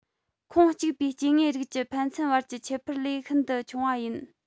ཁོངས གཅིག པའི སྐྱེ དངོས རིགས ཀྱི ཕན ཚུན བར གྱི ཁྱད པར ལས ཤིན ཏུ ཆུང བ ཡིན